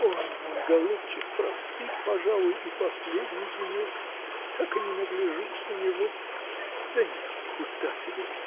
– Он, мой голубчик, проспит, пожалуй, и последний денек так и не нагляжусь на него. Да нет, куда тебе!